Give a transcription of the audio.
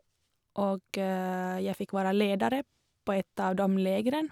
Og jeg fikk være leder på ett av dom lägren.